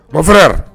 Ma fɔrayara